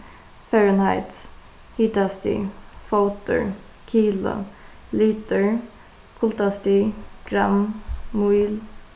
fahrenheit hitastig fótur kilo litur kuldastig gramm míl